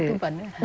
nghe tư vấn ạ